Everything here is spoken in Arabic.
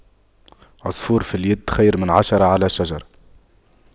عصفور في اليد خير من عشرة على الشجرة